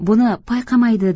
buni payqamaydi